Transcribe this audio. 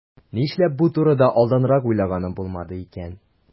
Нишләп бу турыда алданрак уйлаганым булмады икән?